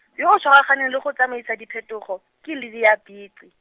yo o tshwaraganeng le go tsamaisa diphetogo, ke Lydia Bici.